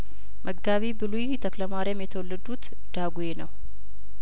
መጋቢ ብሉይ ተክለማሪያም የተወለዱት ዳጔ ነው